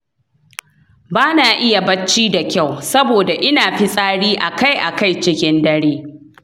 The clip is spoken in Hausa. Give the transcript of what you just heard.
ba na iya bacci da kyau saboda ina fitsari akai-akai cikin dare.